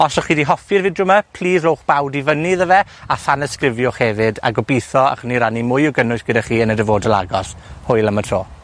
Os o'ch chi 'di hoffi'r fideo 'ma, plîs rowch bawd i fyny iddo fe a thanysgrifiwch hefyd, a gobitho achwn ni rannu mwy o gynnwys gyda chi yn y dyfodol agos. Hwyl am y tro.